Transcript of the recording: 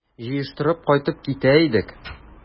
Җыештырып кайтып китә идек...